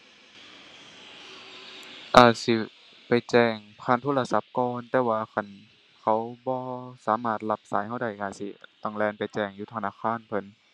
อาจสิไปแจ้งผ่านโทรศัพท์ก่อน แต่ว่าคันเขาบ่สามารถรับสายเราได้ อาจสิต้องแล่นไปแจ้งอยู่ธนาคารเพิ่น